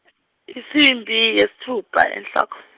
insimbi, yesitfupha enhloko.